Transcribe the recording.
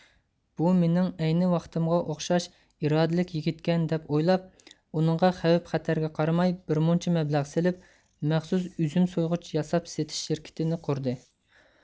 بۇ مېنىڭ ئەينى ۋاقتىمغا ئوخشاش ئىرادىلىك يىگىتكەن دەپ ئويلاپ ئۇنىڭغا خەۋپ خەتەرگە قارىماي بىر مۇنچە مەبلەغ سېلىپ مەخسۇس ئۈزۈم سويغۇچ ياساپ سېتىش شىركىتىنى قۇردى